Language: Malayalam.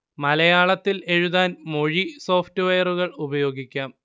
മലയാളത്തിൽ എഴുതാൻ മൊഴി സോഫ്റ്റ്വെയറുകൾ ഉപയോഗിക്കാം